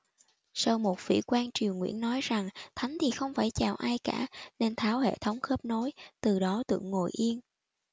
sau một vị quan triều nguyễn nói rằng thánh thì không phải chào ai cả nên tháo hệ thống khớp nối từ đó tượng ngồi yên